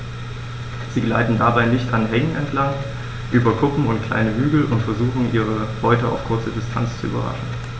Sie gleiten dabei dicht an Hängen entlang, über Kuppen und kleine Hügel und versuchen ihre Beute auf kurze Distanz zu überraschen.